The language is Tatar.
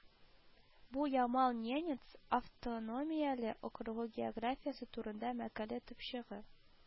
Бу Ямал-Ненец автономияле округы географиясе турында мәкалә төпчеге